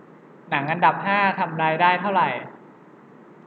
หนังอันดับห้าทำรายได้เท่าไหร่